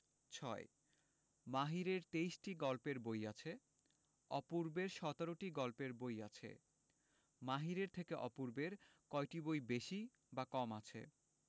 ৬ মাহিরের ২৩টি গল্পের বই আছে অপূর্বের ১৭টি গল্পের বই আছে মাহিরের থেকে অপূর্বের কয়টি বই বেশি বা কম আছে